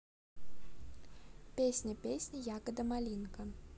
песня песня ягода малинка